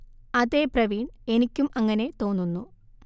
അതേ പ്രവീൺ എനിക്കും അങ്ങനെ തോന്നുന്നു